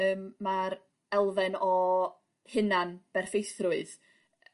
Yym ma'r elfen o hunan berffeithrwydd